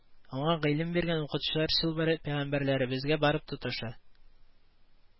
Аңа гыйлем биргән укытучылар чылбыры Пәйгамбәрләребезгә барып тоташа